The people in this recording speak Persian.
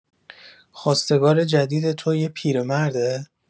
خواستگار جدید تو یه پیرمرده؟